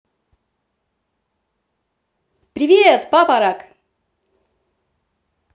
привет папа рак